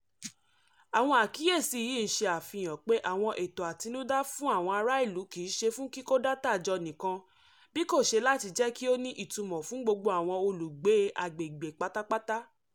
Àwọn àkíyèsí yìí ń ṣe àfihàn pé àwọn ètò àtinúdá fún àwọn ará ìlú kìí ṣe fún kíkó dátà jọ nìkan bí kò ṣe láti jẹ́ kí ó ní ìtumò fún gbogbo àwọn olùgbé agbegbe pátápátá.